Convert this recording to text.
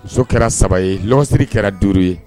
Muso kɛra saba ye siriri kɛra duuru ye